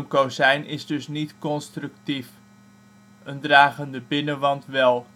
kozijn is dus niet constructief. Een dragende binnenwand wel